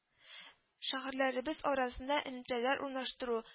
Шәһәрләребез арасында элемтәләр урнаштыру